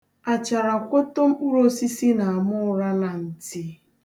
Acharakwoto mkpụrụosisi na-ama ụra na nti.